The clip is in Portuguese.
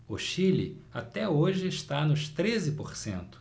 o chile até hoje está nos treze por cento